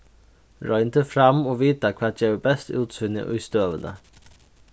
royn teg fram og vita hvat gevur best útsýni í støðuni